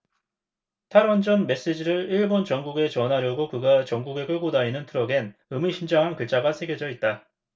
탈원전 메시지를 일본 전국에 전하려고 그가 전국에 끌고 다니는 트럭엔 의미심장한 글자가 새겨져 있다